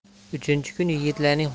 uchinchi kuni yigitlarning